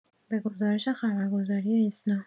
به گزارش خبرگزاری ایسنا